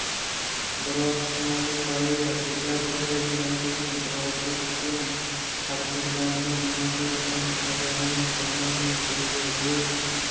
biroq shimoliy koreya dekabrda rejalashtirgan provokatsion harakatlarini nima sababdan qilmaganini bilmaymiz deydi rud